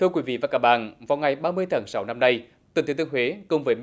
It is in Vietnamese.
thưa quý vị và các bạn vào ngày ba mươi tháng sáu năm nay tỉnh thừa thiên huế cùng với